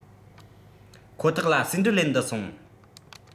ཁོ ཐག ལ ཟེའུ འབྲུ ལེན དུ སོང